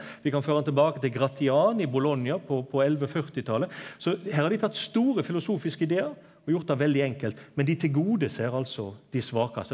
vi kan føra den tilbake til Gratian i Bologna på elleveførtitalet, så her har dei tatt store filosofiske idear og gjort det veldig enkelt, men dei tilgodeser altså dei svakaste.